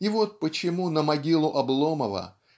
И вот почему на могилу Обломова